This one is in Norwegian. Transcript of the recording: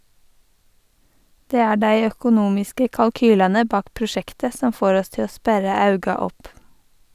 Det er dei økonomiske kalkylane bak prosjektet som får oss til å sperra auga opp.